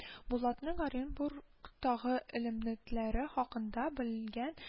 Булатның Оренбургтагы элемлентләре хакында белгән